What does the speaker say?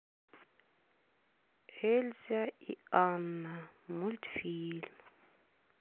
эльза и анна мультфильм